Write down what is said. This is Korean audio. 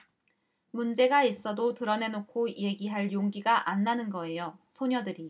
문제가 있어도 드러내놓고 얘기할 용기가 안 나는 거예요 소녀들이